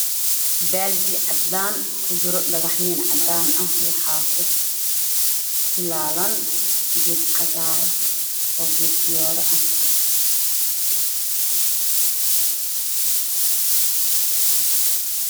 Waa geed ubax cagaaran oo ku jira weel